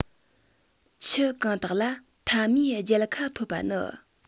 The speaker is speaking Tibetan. ཁྱུ གང དག ལ མཐའ མའི རྒྱལ ཁ ཐོབ པ ནི